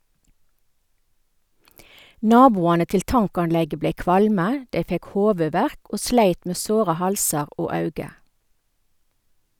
Naboane til tankanlegget blei kvalme, dei fekk hovudverk og sleit med såre halsar og auge.